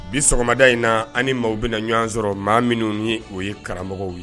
Bi sɔgɔmada in na ani maaw bɛna na ɲɔgɔn sɔrɔ maa minnu ye o ye karamɔgɔ ye